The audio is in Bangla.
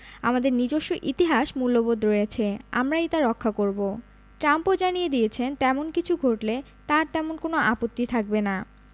আমাদের নিজস্ব ইতিহাস মূল্যবোধ রয়েছে আমরাই তা রক্ষা করব ট্রাম্পও জানিয়ে দিয়েছেন তেমন কিছু ঘটলে তাঁর তেমন কোনো আপত্তি থাকবে না